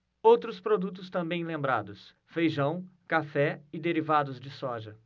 outros produtos também lembrados feijão café e derivados de soja